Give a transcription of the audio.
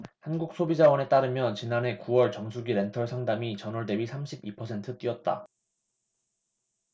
한국소비자원에 따르면 지난해 구 월 정수기렌털 상담이 전월대비 삼십 이 퍼센트 뛰었다